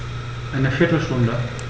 Eine viertel Stunde